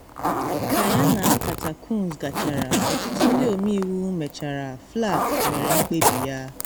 Ka yana nkata Coons gachara, ọtụtụ ndị ọmeiwu mechara, Flake mere mkpebi ya.